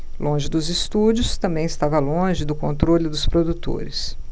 longe dos estúdios também estava longe do controle dos produtores